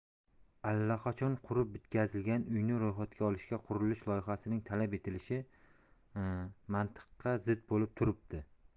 allaqachon qurib bitkazilgan uyni ro'yxatga olishga qurilish loyihasining talab etilishi mantiqqa zid bo'lib turibdi